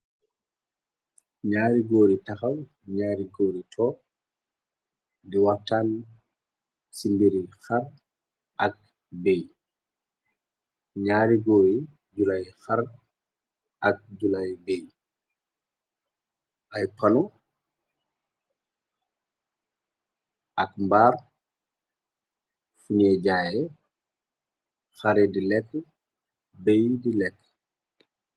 Naari góori taxaw ñaari góori tok di waxtaal ci mbiri xar ak béy naari góori julaay xar ak julaay béy ay palo ak mbaar funé jaaye xare di lekk béy di lekk.